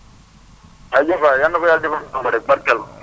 jaajëf waay yàlla na ko yàlla defal li mu bëgg rek barkeel ko